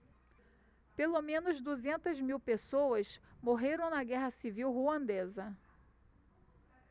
pelo menos duzentas mil pessoas morreram na guerra civil ruandesa